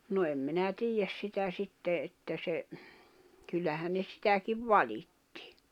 no en minä tiedä sitä sitten että se kyllähän ne sitäkin valitti